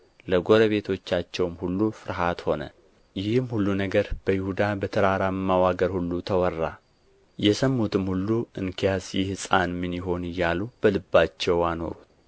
ለጎረቤቶቻቸውም ሁሉ ፍርሃት ሆነ ይህም ሁሉ ነገር በይሁዳ በተራራማው አገር ሁሉ ተወራ የሰሙትም ሁሉ እንኪያ ይህ ሕፃን ምን ይሆን እያሉ በልባቸው አኖሩት